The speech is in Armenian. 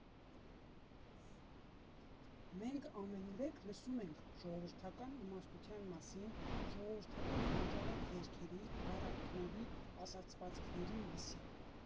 Մենք ամենուրեք լսում ենք ժողովրդական իմաստության մասին, ժողովրդական հանճարեղ երգերի, առակների, ասացվածքների մասին։